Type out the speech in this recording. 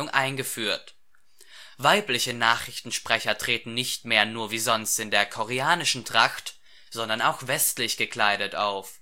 eingeführt. Weibliche Nachrichtensprecher treten nicht mehr nur wie sonst in der koreanischen Tracht, sondern auch westlich gekleidet auf